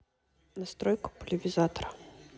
настройка пульверизатора